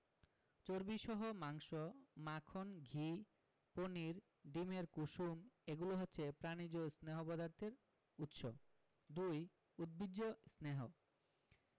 চর্বিসহ মাংস মাখন ঘি পনির ডিমের কুসুম এগুলো হচ্ছে প্রাণিজ স্নেহ পদার্থের উৎস ২. উদ্ভিজ্জ স্নেহ